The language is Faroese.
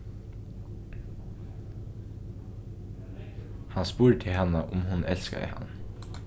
hann spurdi hana um hon elskaði hann